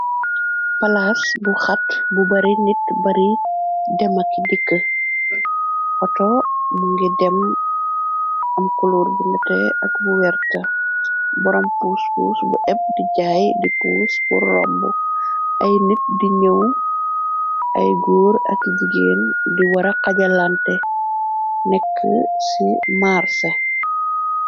Palaas bu xat bu bari nit bari demaki dikk oto mu ngi dem am kuluur bu nete ak bu wert boroom puskus bu épp di jaay di pus bu romb ay nit di ñëw ay guur ak jigeen di wara xajalante nekk ci marsé.